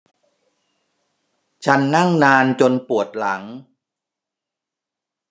ฉันนั่งนานจนปวดหลัง